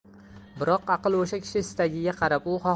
biroq aql o'sha kishi istagiga qarab u